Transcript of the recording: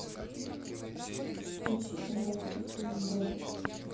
включи пожалуйста фильм довод